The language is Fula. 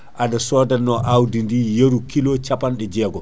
a sodanno awdi yeeru kilo capanɗe jeegom